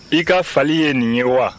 i ka fali ye nin ye wa